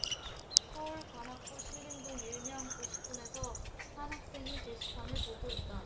서울 관악구 신림동 일명 고시촌에서 한 학생이 게시판을 보고 있다